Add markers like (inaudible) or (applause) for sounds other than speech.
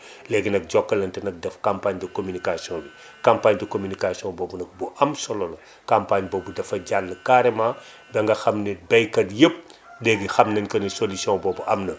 (breath) léegi nag Jokalante nag def campagne de communication bi campagne de communication boobu nag bu am solo la campagne boobu dafa jàll carrement ba nga xam ne baykat yëpp (noise) léegi xam nañ que ni solution boobu am na